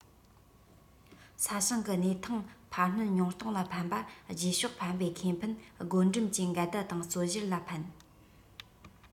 ས ཞིང གི གནས ཐང འཕར སྣོན ཉུང གཏོང ལ ཕན པ རྗེས ཕྱོགས ཕན པའི ཁེ ཕན བགོ འགྲེམས ཀྱི འགལ ཟླ དང རྩོད གཞིར ལ ཕན